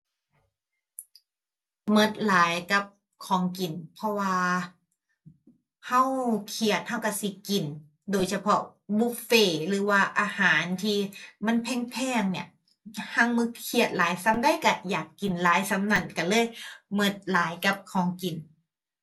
หมดหลายกับของกิน เพราะว่าหมดเครียดหมดหมดสิกิน โดยเฉพาะบุฟเฟต์หรือว่าอาหารที่มันแพงแพงเนี่ย หั้งมื้อเครียดหลายส่ำใดหมดอยากกินหลายส่ำนั้น หมดเลยหมดหลายกับของกิน